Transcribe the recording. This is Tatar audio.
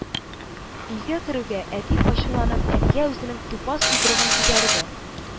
Өйгә керүгә, әти, ачуланып, әнигә үзенең тупас йодрыгын күтәрде